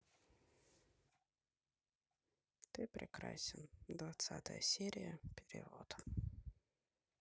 ты прекрасен двадцатая серия перевод